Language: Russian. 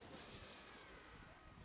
ну мне надо развлекать людей ну да